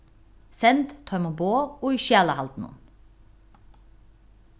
send teimum boð í skjalahaldinum